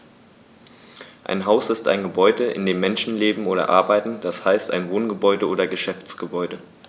Ein Haus ist ein Gebäude, in dem Menschen leben oder arbeiten, d. h. ein Wohngebäude oder Geschäftsgebäude.